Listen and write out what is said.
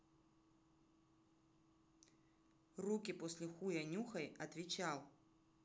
руки после хуя нюхай отвечал